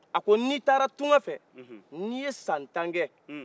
a ko ni taara tunka fɛ ni ye san tan kɛ